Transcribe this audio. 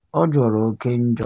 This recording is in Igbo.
Ọ Jọrọ Oke Njọ.